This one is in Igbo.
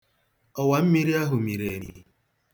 Ọwammiri ahụ miri emi.